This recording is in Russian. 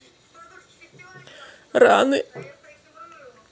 раны